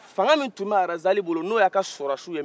fanga min tun bɛ razali bolo n'o y'a ka sɔrasiw ye